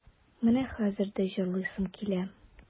Менә хәзер дә җырлыйсым килә.